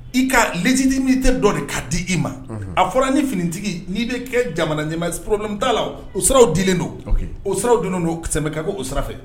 I ka lejidi min tɛ dɔ de k' di i ma a fɔra ni finitigi n'i bɛ kɛ jamana ɲarta la o siraw dilen don o siraw don donmɛ ka ko u sira